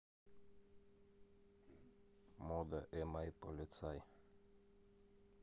мода эмай полицай